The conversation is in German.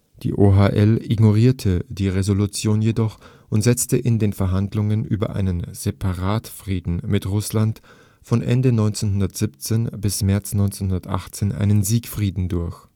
Die OHL ignorierte die Resolution jedoch und setzte in den Verhandlungen über einen Separatfrieden mit Russland von Ende 1917 bis März 1918 einen „ Siegfrieden “durch